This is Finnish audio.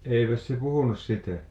eipäs se puhunut sitä